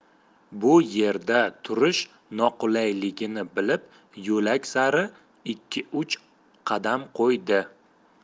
bu yerda turish noqulayligini bilib yo'lak sari ikki uch qadam qo'ydi